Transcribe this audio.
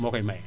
moo koy maye